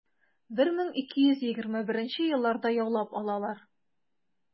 1221 елларда яулап алалар.